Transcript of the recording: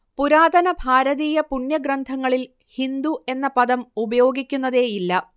പുരാതന ഭാരതീയ പുണ്യഗ്രന്ഥങ്ങളിൽ ഹിന്ദു എന്ന പദം ഉപയോഗിക്കുന്നതേയില്ല